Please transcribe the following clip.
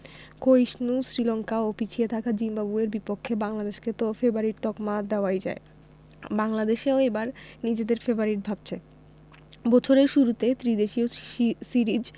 ক্ষয়িষ্ণু শ্রীলঙ্কা ও পিছিয়ে থাকা জিম্বাবুয়ের বিপক্ষে বাংলাদেশকে তো ফেবারিট তকমা দেওয়াই যায় বাংলাদেশও এবার নিজেদের ফেবারিট ভাবছে বছরের শুরুতে ত্রিদেশীয় সিরিজ